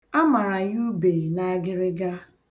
A mara ya ube n'agịrịga.